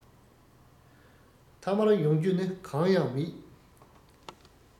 མཐའ མར ཡོང རྒྱུ ནི གང ཡང མེད